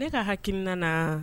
Ne ka hakilikina na